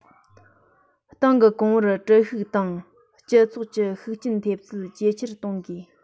ཏང གི གོང བུར འགྲིལ ཤུགས དང སྤྱི ཚོགས ཀྱི ཤུགས རྐྱེན ཐེབས ཚད ཇེ ཆེར གཏོང དགོས